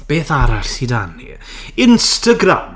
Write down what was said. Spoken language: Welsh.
Beth arall sy 'da ni? Instagram!